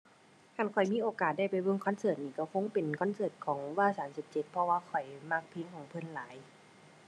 คันข้อยมีโอกาสได้ไปเบิ่งคอนเสิร์ตหนิก็คงเป็นคอนเสิร์ตของวสันต์17 เพราะว่าข้อยมักเพลงของเพิ่นหลาย